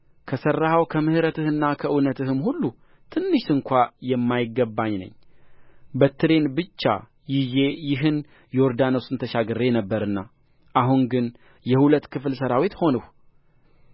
ከሠራኸው ከምሕረትህና ከእውነትህም ሁሉ ትንሽ ስንኳ የማይገባኝ ነኝ በትሬን ብቻ ይዤ ይህን ዮርዳኖስን ተሻግሬ ነበርና አሁን ግን የሁለት ክፍል ሠራዊት ሆንሁ